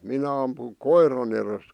minä - koiran edestä